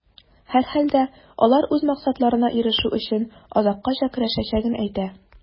Һәрхәлдә, алар үз максатларына ирешү өчен, азаккача көрәшәчәген әйтә.